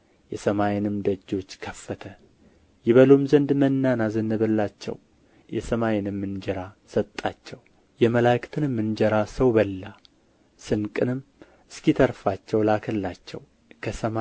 የሰማይንም ደጆች ከፈተ ይበሉም ዘንድ መናን አዘነበላቸው የሰማይንም እንጀራ ሰጣቸው የመላክትንም እንጀራ ሰው በላ ስንቅንም እስኪተርፋቸው ላከላቸው ከሰማይ